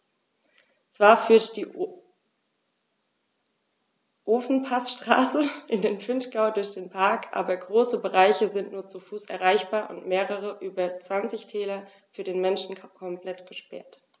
Zwar führt die Ofenpassstraße in den Vinschgau durch den Park, aber große Bereiche sind nur zu Fuß erreichbar und mehrere der über 20 Täler für den Menschen komplett gesperrt.